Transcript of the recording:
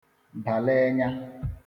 ba l'enya